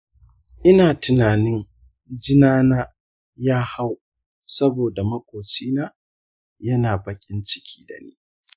ina tinanin jina na ya hau saboda maƙoci na yana baƙin ciki dani.